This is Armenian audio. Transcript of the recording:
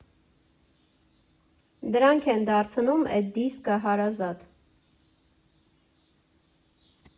Դրանք են դարձնում էդ դիսկը հարազատ։